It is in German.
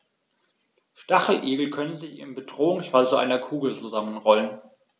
Stacheligel können sich im Bedrohungsfall zu einer Kugel zusammenrollen.